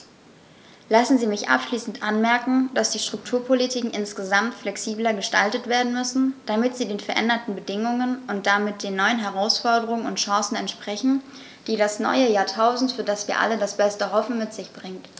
Lassen Sie mich abschließend anmerken, dass die Strukturpolitiken insgesamt flexibler gestaltet werden müssen, damit sie den veränderten Bedingungen und damit den neuen Herausforderungen und Chancen entsprechen, die das neue Jahrtausend, für das wir alle das Beste hoffen, mit sich bringt.